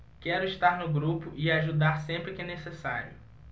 quero estar no grupo e ajudar sempre que necessário